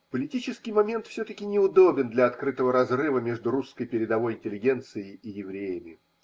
Политический момент все-таки неудобен для открытого разрыва между русской передовой интеллигенцией и евреями.